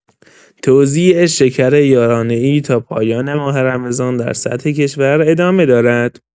توزیع شکر یارانه‌ای تا پایان ماه رمضان در سطح کشور ادامه دارد.